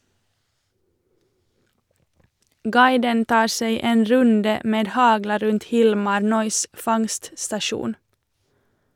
Guiden tar seg en runde med hagla rundt Hilmar Nøis' fangststasjon.